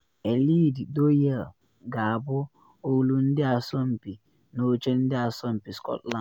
Eilidh Doyle ga-abụ “olu ndị asọmpi” na oche Ndị Asọmpi Scotland